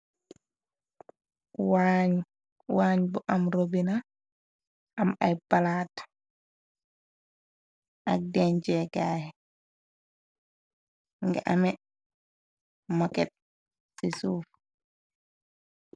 Wan bo am robina am ai balat ak denjghe nga ame mokket si suufu.